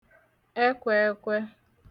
ẹkwẹ̄ẹ̄kwẹ̄